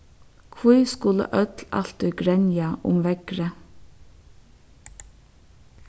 hví skulu øll altíð grenja um veðrið